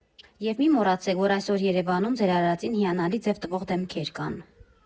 Եվ մի մոռացեք, որ այսօր Երևանում ձեր արածին հիանալի ձև տվող դեմքեր կան։